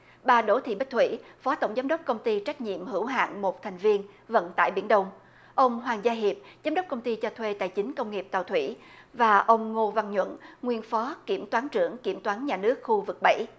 bà đỗ thị bích thủy phó tổng giám đốc công ty trách nhiệm hữu hạn một thành viên vận tải biển đông ông hoàng gia hiệp giám đốc công ty cho thuê tài chính công nghiệp tàu thủy và ông ngô văn nhuận nguyên phó kiểm toán trưởng kiểm toán nhà nước khu vực bảy